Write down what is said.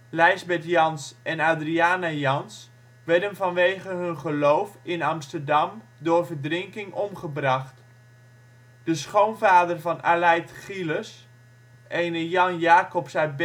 Lijsbeth Jans en Adriana Jans werden vanwege hun geloof in Amsterdam door verdrinking omgebracht. De schoonvader van Alijdt Gielis, ene Jan Jacobsz uit